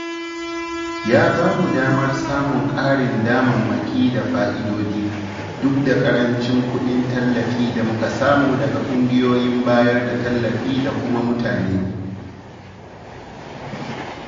Ya ba mu damar samun ƙarin damammaki da fa'idodi, duk da ƙarancin kuɗin tallafi da muka samu daga ƙungiyoyin bayar da tallafi da kuma mutane.